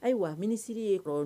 Ayiwa minisiri ye kɔrɔ